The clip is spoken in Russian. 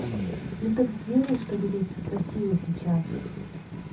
ну так сделай чтобы тебя просила сейчас